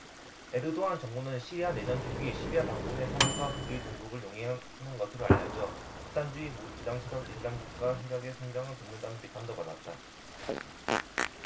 에르도안 정부는 시리아 내전 초기 시리아 반군에 사람과 무기 공급을 용인한 것으로 알려져 극단주의 무장세력 이슬람국가 세력의 성장을 돕는다는 비판도 받았다